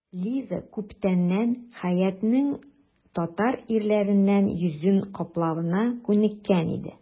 Лиза күптәннән Хәятның татар ирләреннән йөзен каплавына күнеккән иде.